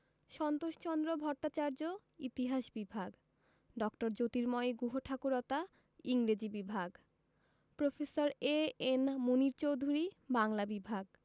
সন্তোষচন্দ্র ভট্টাচার্য ইতিহাস বিভাগ ড. জ্যোতির্ময় গুহঠাকুরতা ইংরেজি বিভাগ প্রফেসর এ.এন মুনীর চৌধুরী বাংলা বিভাগ